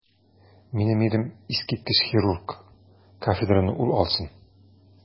Минем ирем - искиткеч хирург, кафедраны ул алсын.